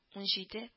Унҗиде